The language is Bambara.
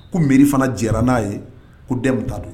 Ko mairie fana jɛnna n'a ye ko Dɛmu ta don